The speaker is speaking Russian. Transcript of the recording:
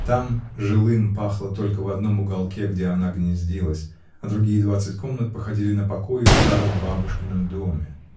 Там жилым пахло только в одном уголке, где она гнездилась, а другие двадцать комнат походили на покои в старом бабушкином доме.